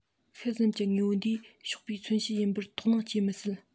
ཤུལ ཙམ གྱི དངོས པོ འདིས གཤོག པའི མཚོན བྱེད ཡིན པར དོགས སྣང སྐྱེ མི སྲིད